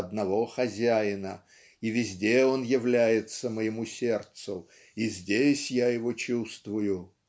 одного хозяина, и везде он является моему сердцу. И здесь я его чувствую".